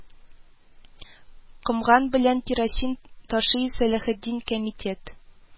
Комган белән кирасин ташый Салахетдин «Кәмитет»